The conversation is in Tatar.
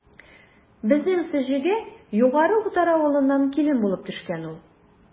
Безнең Сеҗегә Югары Утар авылыннан килен булып төшкән ул.